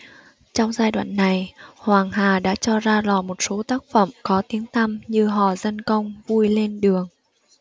trong giai đoạn này hoàng hà đã cho ra lò một số tác phẩm có tiếng tăm như hò dân công vui lên đường